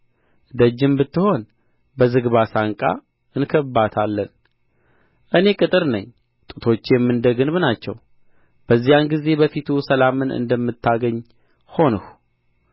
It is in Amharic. ደጅም ብትሆን በዝግባ ሳንቃ እንከብባታለን እኔ ቅጥር ነኝ ጡቶቼም እንደ ግንብ ናቸው በዚያን ጊዜ በፊቱ ሰላምን እንደምታገኝ ሆንሁ